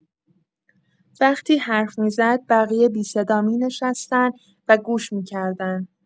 وقتی حرف می‌زد، بقیه بی‌صدا می‌نشستن و گوش می‌کردن.